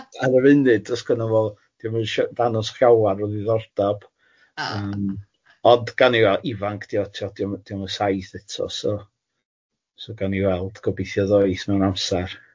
ar yr funud do's gynno fo dio'm yn si- danos llawer o ddiddordab... Oh. ...yym ond gawn ni weld ifanc di o tibod dio'm dio'm yn saith eto so, so gawn ni weld, gobithio ddoith mewn amsar.